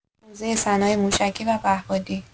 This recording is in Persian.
حوزه صنایع موشکی و پهپادی